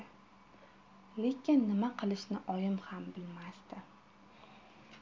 lekin nima qilishni oyim ham bilmasdi